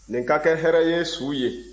nin ka kɛ hɛrɛ ye su ye